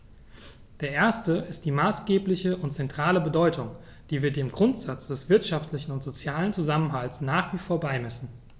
Der erste ist die maßgebliche und zentrale Bedeutung, die wir dem Grundsatz des wirtschaftlichen und sozialen Zusammenhalts nach wie vor beimessen.